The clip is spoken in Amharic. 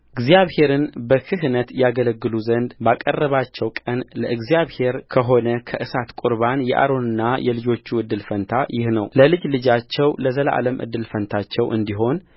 እግዚአብሔርን በክህነት ያገለግሉት ዘንድ ባቀረባቸው ቀን ለእግዚአብሔር ከሆነ ከእሳት ቍርባን የአሮንና የልጆቹ እድል ፈንታ ይህ ነውለልጅ ልጃቸው ለዘላለም እድል ፈንታቸው እንዲሆን